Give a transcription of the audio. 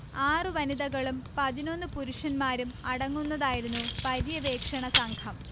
ആറു വനിതകളും പതിനൊന്നു പുരുഷന്മാരും അടങ്ങുന്നതായിരുന്നു പര്യവേക്ഷണ സംഘം